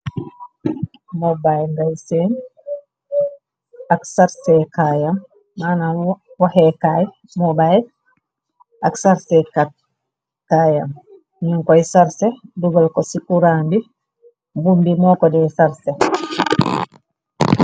Mobay ngay seen ak sarse kaayam manam waxe kay mobay ak sarse kaayam ñu koy sarse dugal ko ci kuraan bi bumbi mo ko dey sarsé.